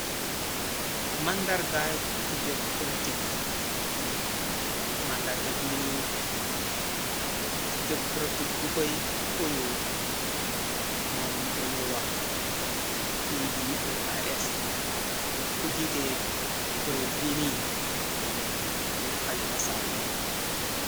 Màndargaay xu jëg polotic la màndarga biiniy xu jëg polotik gu koy oyu moom lañu wax PDOIS ku jiite kurel giiniy di kalifasalla.